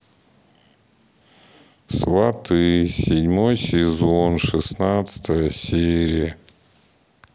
сваты седьмой сезон шестнадцатая серия